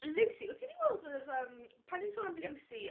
Lucie, wyt ti wedi weld yr yym... pan ni'n sôn am Lucie... Ie.